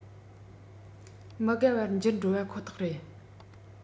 མི དགའ བར འགྱུར འགྲོ པ ཁོ ཐག རེད